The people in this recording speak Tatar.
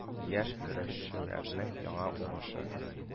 Яшь көрәшчеләрнең яңа уңышы